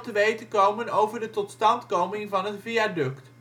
weten komen over de totstandkoming van het viaduct